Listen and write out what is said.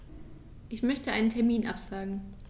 Ich möchte einen Termin absagen.